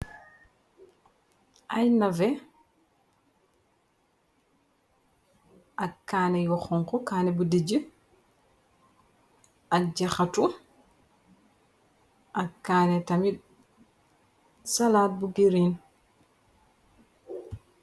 Ay nave, ak kaané yoxonko kanne bu dijj, ak jaxatu, ak kanne tamit salaat bu girin.